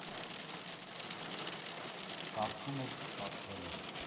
Կարծում ենք՝ ստացվել է.